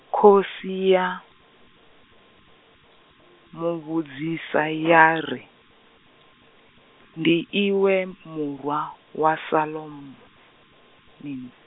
khosi ya, muvhudzisa ya ri, ndi iwe murwa wa Solomoni?